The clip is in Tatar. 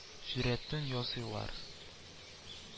Сурәтен ясыйлар